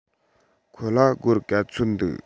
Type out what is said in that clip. ཁོ ལ སྒོར ག ཚོད འདུག